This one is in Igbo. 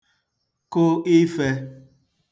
kụ ifē